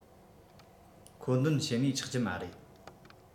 མཁོ འདོན བྱེད ནུས ཆགས ཀྱི མ རེད